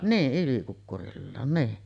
niin ylikukkuroillaan niin